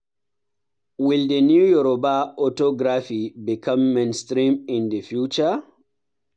Will the new Yorùbá orthography become mainstream in the future?